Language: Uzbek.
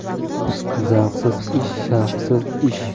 zavqsiz ish shavqsiz ish